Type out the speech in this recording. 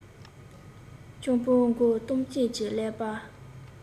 སྤྱང པོ མགོ སྟོང ཅན གྱི ཀླད པ